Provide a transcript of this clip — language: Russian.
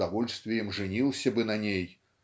с удовольствием женился бы на ней